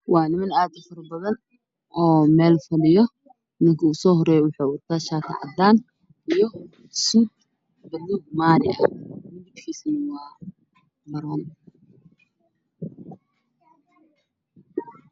Waa niman aad u fara badan oo meel fadhiyo ninka u soo horeeeyo wuxu wataa shaaati caddaan iyo suud madow maari ah midabkiisu na waa baroon